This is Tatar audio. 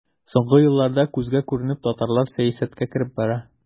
Соңгы елларда күзгә күренеп татарлар сәясәткә кереп бара.